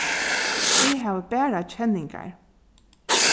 eg havi bara kenningar